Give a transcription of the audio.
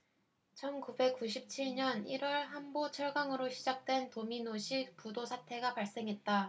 천 구백 구십 칠 년 일 월 한보 철강으로 시작된 도미노식 부도 사태가 발생했다